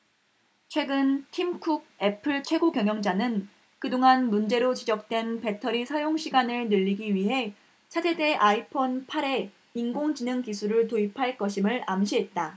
최근 팀쿡 애플 최고경영자는 그동안 문제로 지적된 배터리 사용시간을 늘리기 위해 차세대 아이폰 팔 에 인공지능기술을 도입할 것임을 암시했다